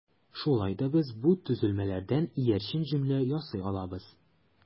Шулай да без бу төзелмәләрдән иярчен җөмлә ясый алабыз.